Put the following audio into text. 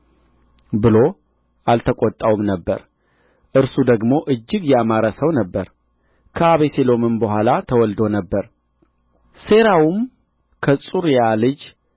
ብሎ አልተቈጣውም ነበር እርሱ ደግሞ እጅግ ያማረ ሰው ነበረ ከአቤሴሎምም በኋላ ተወልዶ ነበር ሴራውም ከጽሩያ ልጅ